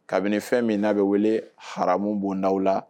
Kabini fɛn min n'a bɛ wele haramu bondaw la